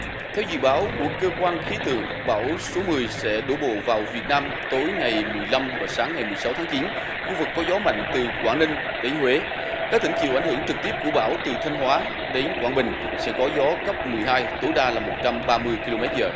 theo dự báo của cơ quan khí tượng bão số mười sẽ đổ bộ vào việt nam tối ngày mười lăm và sáng ngày mười sáu tháng chín khu vực có gió mạnh từ quảng ninh đến huế các tỉnh chịu ảnh hưởng trực tiếp của bão từ thanh hóa đến quảng bình sẽ có gió cấp mười hai tối đa là một trăm ba mươi ki lô mét giờ